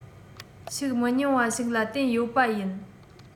ཤུགས མི ཉུང བ ཞིག ལ བརྟེན ཡོད པ ཡིན